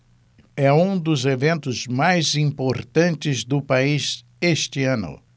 é um dos eventos mais importantes do país este ano